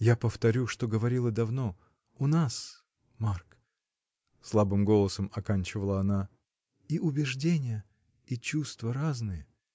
Я повторю, что говорила давно: у нас, Марк (слабым голосом оканчивала она) и убеждения, и чувства разные!